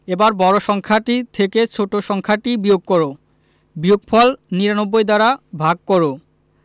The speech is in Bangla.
এবার বড় সংখ্যাটি থেকে ছোট সংখ্যাটি বিয়োগ কর বিয়োগফল ৯৯ দ্বারা ভাগ কর